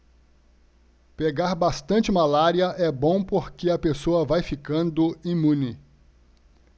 pegar bastante malária é bom porque a pessoa vai ficando imune